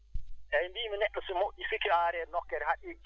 eeyi mbimi neɗɗo so moƴƴi sikki a arii e nokkere haɗe eggi